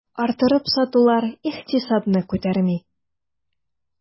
Арттырып сатулар икътисадны күтәрми.